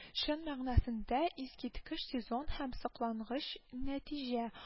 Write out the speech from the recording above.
Чын мәгънәсендә, искиткеч сезон һәм соклангыч нәтиҗә